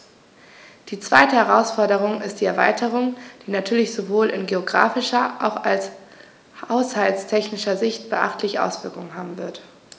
Die zweite Herausforderung ist die Erweiterung, die natürlich sowohl in geographischer als auch haushaltstechnischer Sicht beachtliche Auswirkungen haben wird.